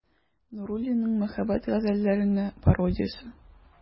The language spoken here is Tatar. Нуруллинның «Мәхәббәт газәлләренә пародия»се.